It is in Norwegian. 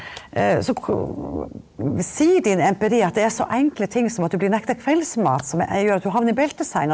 så sier din empiri at det er så enkle ting som at du blir nekta kveldsmat som er gjør at du havner i belteseng da?